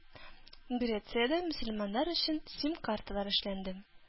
Грециядә мөселманнар өчен СИМ-карталар эшләнде.